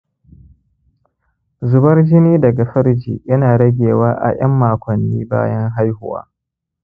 zubar jini daga farji ya na ragewa a ƴan makonni bayan haihuwa